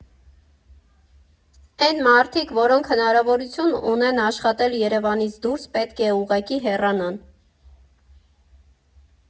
Էն մարդիկ, որոնք հնարավորություն ունեն աշխատել Երևանից դուրս, պետք է ուղղակի հեռանան։